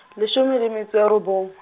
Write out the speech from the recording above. leshome le metso e robong.